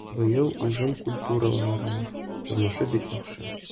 Быел уҗым культураларының торышы бик яхшы.